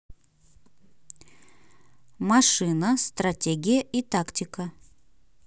машина стратегия и тактика